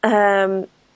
hy- yym